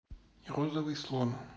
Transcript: розовый слон